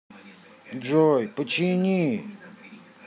джой почини